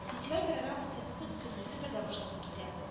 Фестиваль программасы бүген көндезге бер дә башланып китә